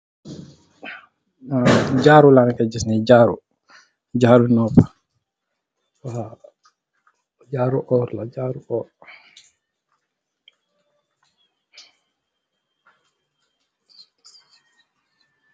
Arr jaaru la neka di giss nee jaaru jaaru noppa jaaru oor la jaaru oor.